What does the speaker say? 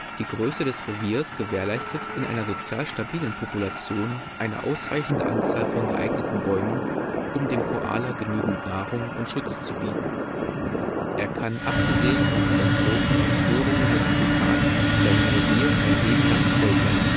Die Größe des Reviers gewährleistet in einer sozial stabilen Population eine ausreichende Anzahl von geeigneten Bäumen, um dem Koala genügend Nahrung und Schutz zu bieten. Er kann abgesehen von Katastrophen und Störungen des Habitats seinem Revier ein Leben lang treu bleiben